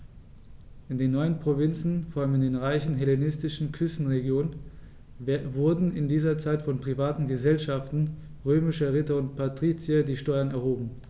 In den neuen Provinzen, vor allem in den reichen hellenistischen Küstenregionen, wurden in dieser Zeit von privaten „Gesellschaften“ römischer Ritter und Patrizier die Steuern erhoben.